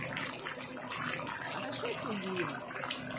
хорошо сидим